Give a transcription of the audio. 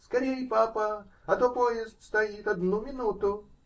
-- Скорей, папа, а то поезд стоит одну минуту!